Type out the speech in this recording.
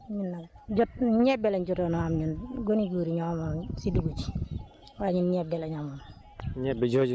donc énun nag jot ñebe lañ jotoon a am ñun gone yu góor yi ñoo amoon si dugub ji waaye ñun ñebe lañ amoon